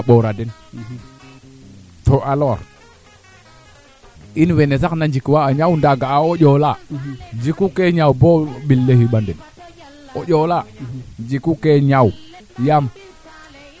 d' accord to ke valable na no araake wala no kaaf ke ten valable aussi no ke xotoona a ñaawa ke yiin parce que o ndeeta ngaan rewe kaa i leya ley rek to i mboka tee teen rewe rew we aussi a naanga njega jafe jafe